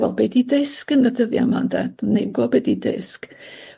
Wel, be' 'di disg yn y dyddia' 'ma ynde? 'Dan ni'm gwybo be' 'di disg.